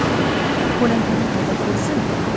ko'lankaga haydab kelsam